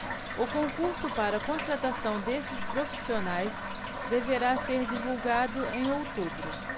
o concurso para contratação desses profissionais deverá ser divulgado em outubro